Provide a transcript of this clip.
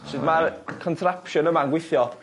Sud ma'r contraption yma'n gweithio?